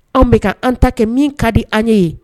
An bɛka an ta kɛ min ka di an ye